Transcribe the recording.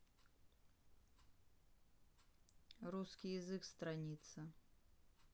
русский язык страница